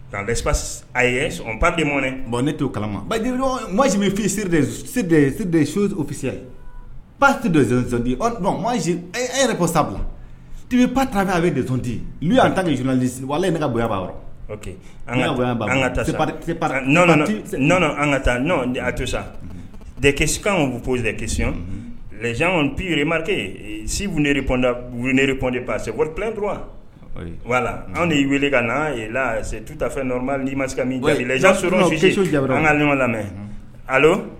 Nka a ye pa de mɔn bɔn ne t'o kalamasi fiddsi pati donzzdi yɛrɛ ko sabu tubi pata a bɛ de tun di n'u y'a ta ka ye kayanbaa an ka an ka taa n an ka taa a to sa desi bɛ foyio dɛsiɔn lajɛɔn tiymarike siboneredere kɔnte pase titura wala anw y'i weele ka na se tuta fɛn'a ma ka an ka lamɛn